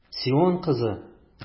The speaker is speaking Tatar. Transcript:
Сион кызы!